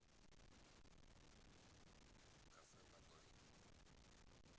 кафе батори